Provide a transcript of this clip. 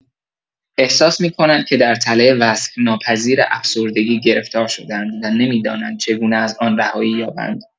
احساس می‌کنند که در تله وصف‌ناپذیر افسردگی گرفتار شده‌اند و نمی‌دانند چگونه از آن رهایی یابند.